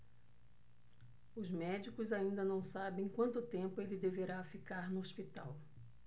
os médicos ainda não sabem quanto tempo ele deverá ficar no hospital